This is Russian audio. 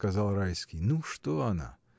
— сказал Райский, — ну, что она?